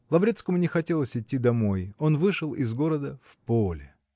Лаврецкому не хотелось идти домой: он вышел из города в поле.